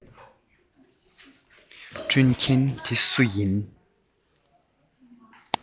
བསྐྲུན མཁན དེ སུ ཡིན